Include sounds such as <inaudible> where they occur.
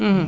<hesitation> <hesitation>